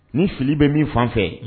Ni fili bɛ min fan fɛ